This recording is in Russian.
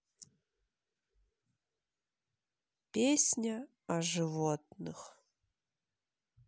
песня о животных